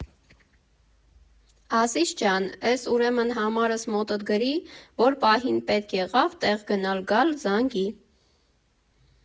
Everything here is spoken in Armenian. Ազիզ ջան, էս ուրեմն համարս մոտդ գրի, որ պահին պետք եղավ տեղ գնալ֊գալ, զանգի։